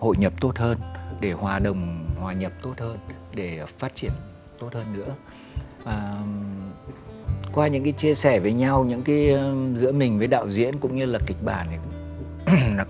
hội nhập tốt hơn để hòa đồng hòa nhập tốt hơn để phát triển tốt hơn nữa à qua những chia sẻ với nhau những kia giữa mình với đạo diễn cũng như là kịch bản